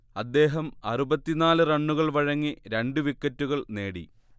അദ്ദേഹം അറുപത്തി നാല് റണ്ണുകൾ വഴങ്ങി രണ്ട് വിക്കറ്റുകൾ നേടി